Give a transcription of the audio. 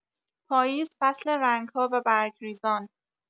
پاییز فصل رنگ‌ها و برگ‌ریزان